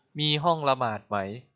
มีห้องละหมาดไหม